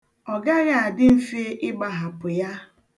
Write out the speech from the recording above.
Ọ gaghị adị mfe ịgbahapụ ya.